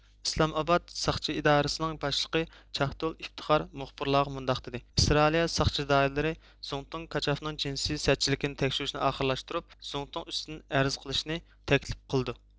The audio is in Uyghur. ئىسلامئاباد ساقچى ئىدارىسىنىڭ باشلىقى چاھدۇل ئىفتىخار مۇخبىرلارغا مۇنداق دېدى ئىسرائىلىيە ساقچى دائىرىلىرى زۇڭتۇڭ كاچافنىڭ جىنسىي سەتچىلىكىنى تەكشۈرۈشنى ئاخىرلاشتۇرۇپ زۇڭتۇڭ ئۈستىدىن ئەرز قىلىشنى تەكلىپ قىلدۇ